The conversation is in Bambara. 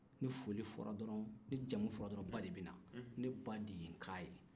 ni foli fɔra dɔrɔn ni jamu fɔra dɔrɔn ba de bɛ na ne ba de ye n k'a ye